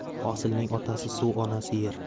hosilning otasi suv onasi yer